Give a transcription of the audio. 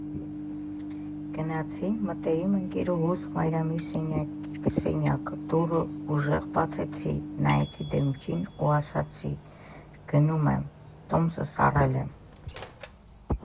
Գնացի մտերիմ ընկերուհուս՝ Մարիի սենյակ, դուռն ուժեղ բացեցի, նայեցի դեմքին ու ասացի՝ գնում եմ, տոմսն առել եմ։